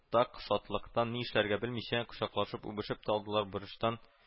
Уртак шатлыктан ни эшләргә белмичә кочаклашып-үбешеп тә алдылар берочтан